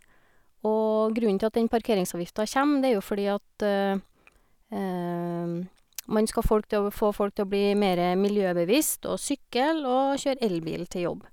Og grunnen til at den parkeringsvgifta kjem, det er jo fordi at man skal folk til å få folk til å bli mere miljøbevisst og sykle og kjøre elbil til jobb.